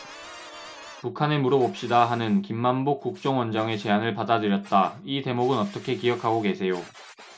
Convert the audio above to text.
북한에 물어봅시다 하는 김만복 국정원장의 제안을 받아들였다 이 대목은 어떻게 기억하고 계세요